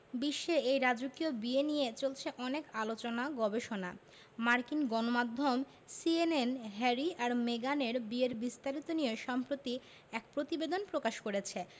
বিশ্বে এই রাজকীয় বিয়ে নিয়ে চলছে অনেক আলোচনা গবেষণা মার্কিন গণমাধ্যম সিএনএন হ্যারি আর মেগানের বিয়ের বিস্তারিত নিয়ে সম্প্রতি এক প্রতিবেদন প্রকাশ করেছে